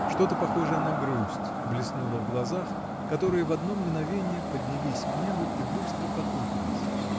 Что-то похожее на грусть блеснуло в глазах, которые в одно мгновение поднялись к небу и быстро потупились.